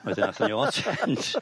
Wedyn athon ni o Trent...